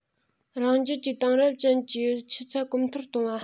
རང རྒྱལ གྱི དེང རབས ཅན གྱི ཆུ ཚད གོང མཐོར གཏོང བ